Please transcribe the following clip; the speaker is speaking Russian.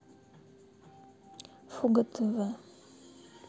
фуга тв